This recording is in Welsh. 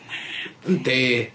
Nadi... Yndi!